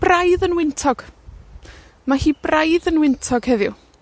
braidd yn wyntog. Ma' hi braidd yn wyntog heddiw.